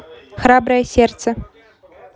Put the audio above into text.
храброе сердце